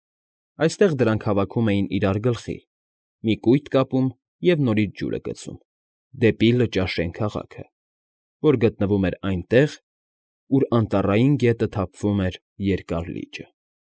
Այստեղ դրանք հավաքում էին իրար գլխի, մի կույտ կապում և նորից ջուրը գցում, դեպի Լճաշեն քաղաքը, որ գտնվում էր այնտեղ, ուր Անտառային գետը թափվում էր Երկար լիճը։